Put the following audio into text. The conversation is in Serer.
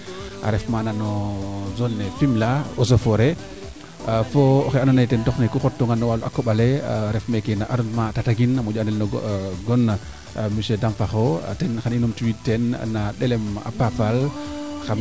a ref maana no Zone le Fimele eaux et foret foo oxe ando naye ten doxnu no ku xotna no waluwa koɓale ref meeke na arondissement Tataguine a moƴo andeel no gol Monsieur Dane Sakho ten xa i numtu wiid teen na ɗelelm a pafaal